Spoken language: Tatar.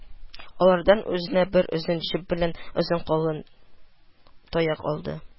Алардан үзенә бер озын җеп белән озын калын таяк алды